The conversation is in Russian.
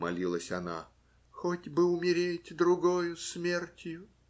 - молилась она, - хоть бы умереть другою смертью!